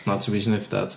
Not to be sniffed at.